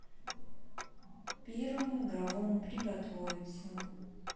первому игровому приготовиться